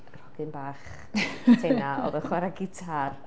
Yr hogyn bach tenau oedd yn chwarae gitâr.